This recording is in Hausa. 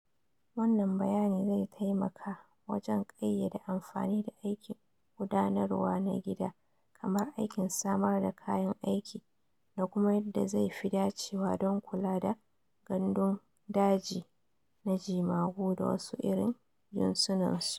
Wannan bayani zai taimaka wajen ƙayyade amfani da aikin gudanarwa na gida kamar aikin samar da kayan aiki da kuma yadda zai fi dacewa don kula da gandun daji na jemagu da wasu irin jinsuna su.